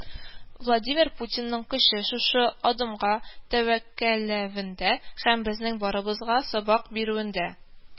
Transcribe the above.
“владимир путинның көче шушы адымга тәвәккәлләвендә һәм безнең барыбызга сабак бирүендә